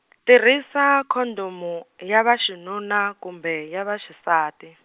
tirhisa khondomu, ya vaxinuna kumbe ya vaxisati.